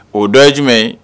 O dɔ ye jumɛn ye